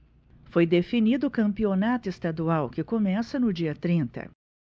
foi definido o campeonato estadual que começa no dia trinta